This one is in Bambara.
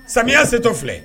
Samiya setɔ filɛ